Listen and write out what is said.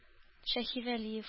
Шаһивәлиев